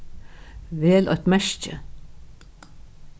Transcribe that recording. vel eitt merki